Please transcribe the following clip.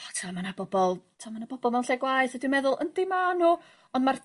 o t' wel' ma' 'na bobol t' wel' ma' 'na bobol mewn lle gwaeth a dwi meddwl yndi nw on ma'r